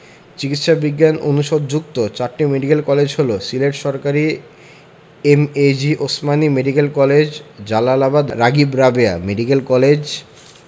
চিকিৎসা বিজ্ঞান অনুষদভুক্ত চারটি মেডিকেল কলেজ হলো সিলেট সরকারি MAG Osmani medical college Jalalabad Ragib Rabeya medical college